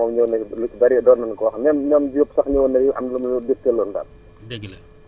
waaw moom ñëw na fi lu bëri doon nañu ko wax même Diop sax ñëwoon na fi am lu mu ñu digtaloon daal